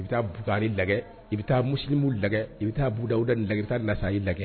I bɛ taa butari la i bɛ taa mumu lajɛ i bɛ taa budawuda lage taa lasa lajɛ